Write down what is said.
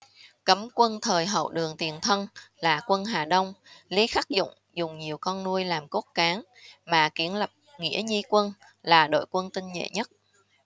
cấm quân thời hậu đường tiền thân là quân hà đông lý khắc dụng dùng nhiều con nuôi làm cốt cán mà kiến lập nghĩa nhi quân là đội quân tinh nhuệ nhất